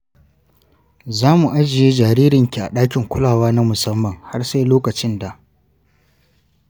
za mu ajiye jaririnki a ɗakin kulawa na musamman har sai lokacin da